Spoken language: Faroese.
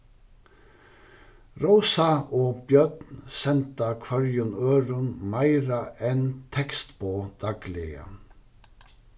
rósa og bjørn senda hvørjum øðrum meira enn tekstboð dagliga